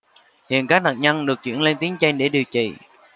hiện các nạn nhân được chuyển lên tuyến trên để điều trị